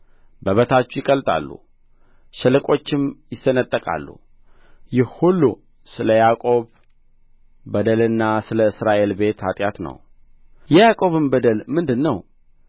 በበታቹ ይቀልጣሉ ሸለቆችም ይሰነጠቃሉ ይህ ሁሉ ስለ ያዕቆብ በደልና ስለ እስራኤል ቤት ኃጢአት ነው የያዕቆብም በደል ምንድር ነው